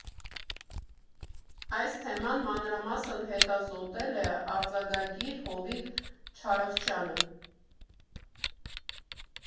Այս թեման մանրամասն հետազոտել է արձակագիր Հովիկ Չարխչյանը։